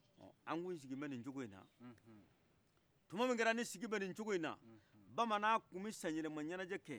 an tun sigilen bɛ ni cogoyina tumamina ni sigi tun bɛ ni cogoyina bamanan tun bɛ san yɛlɛma ɲɛnɛjɛkɛ